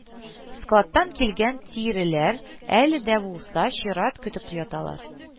Складтан килгән тиреләр әле дә булса чират көтеп яталар